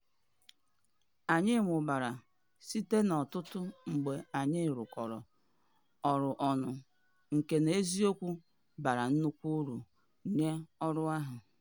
Anyị mụbara site n'ọtụtụ mgbe anyị rụkọrọ ọrụ ọnụ, nke n'ezi okwu bara nnukwu uru nye ọrụ ahụ!